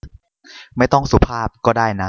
ไม่ต้องสุภาพก็ได้นะ